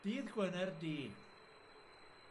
Dydd Gwener Du.